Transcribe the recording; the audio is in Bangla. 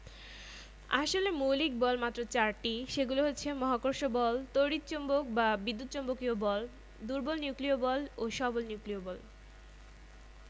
১৬ রসায়ন তৃতীয় অধ্যায় পদার্থের গঠন তোমরা কি কখনো ভেবে দেখেছ আমাদের চারপাশের জিনিসগুলো কী দিয়ে তৈরি তোমার শরীরই বা কী দিয়ে তৈরি হ্যাঁ